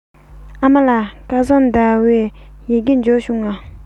ཨ མ ལགས སྐལ བཟང ཟླ བའི ཡི གེ འབྱོར བྱུང ངམ